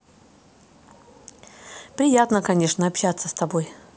приятно конечно общаться с тобой